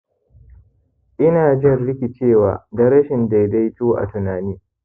ina jin rikicewa da rashin daidaito a tunani